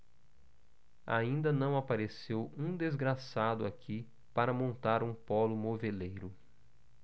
ainda não apareceu um desgraçado aqui para montar um pólo moveleiro